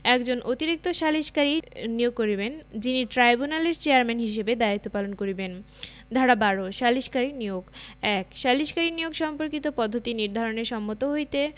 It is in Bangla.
একজন অতিরিক্ত সালিসকারী নিয়োগ করিবেন যিনি ট্রাইব্যুনালের চেয়ারম্যান হিসাবে দায়িত্ব পালন করিবেন ধারা ১২ সালিসকারী নিয়োগঃ ১ সালিসকারী নিয়োগ সম্পর্কিত পদ্ধতি নির্ধারণে সম্মত হইতে